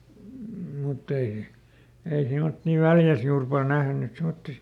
mutta ei ei semmoisia Väljässä juuri paljon nähnyt semmoisia